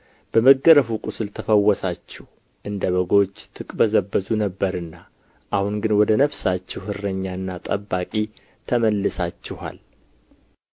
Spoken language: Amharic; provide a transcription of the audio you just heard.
በመገረፉ ቁስል ተፈወሳችሁ እንደ በጎች ትቅበዘበዙ ነበርና አሁን ግን ወደ ነፍሳችሁ እረኛና ጠባቂ ተመልሳችኋል